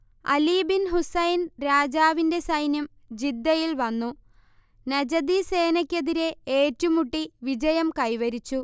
Ali bin Hussein രാജാവിന്റെ സൈന്യം ജിദ്ദയിൽ വന്നു നജദി സേനക്കെതിരെ ഏറ്റു മുട്ടി വിജയം കൈവരിച്ചു